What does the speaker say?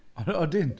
O ydyn?